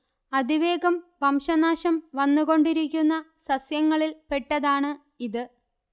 അതിവേഗം വംശനാശം വന്നുകൊണ്ടിരിക്കുന്ന സസ്യങ്ങളിൽ പെട്ടതാണു് ഇതു്